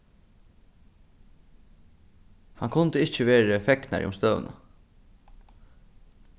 hann kundi ikki verið fegnari um støðuna